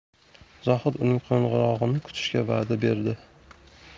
zohid uning qo'ng'irog'ini kutishga va'da berdi